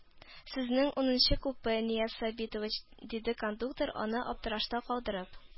Сезнең унынчы купе, Нияз Сабитович, диде кондуктор, аны аптырашта калдырып.